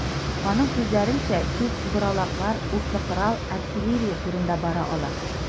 Аның сүзләренчә, сүз боралаклар, утлы корал, артиллерия турында бара ала.